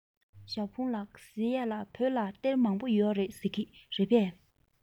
ཞའོ ཧྥུང ལགས ཟེར ཡས ལ བོད ལ གཏེར མང པོ ཡོད རེད ཟེར གྱིས རེད པས